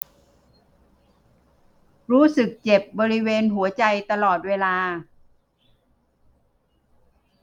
รู้สึกเจ็บบริเวณหัวใจตลอดเวลา